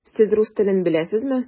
Сез рус телен беләсезме?